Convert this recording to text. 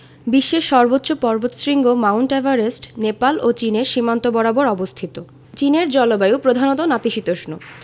বিশ্বের সর্বোচ্চ পর্বতশৃঙ্গ মাউন্ট এভারেস্ট নেপাল ও চীনের সীমান্ত বরাবর অবস্থিত চীনের জলবায়ু প্রধানত নাতিশীতোষ্ণ